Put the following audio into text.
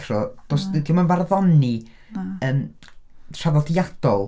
So does... 'di o ddim yn farddoni yn traddodiadol.